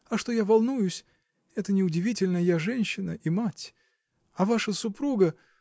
А что я волнуюсь -- это не удивительно: я женщина и мать. А ваша супруга.